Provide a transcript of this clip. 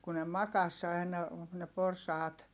kun ne makasi aina ne porsaat